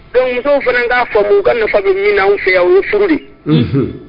Don fana k'a fɔ n'u ka nafa bɛ minanw fɛ yan u furu de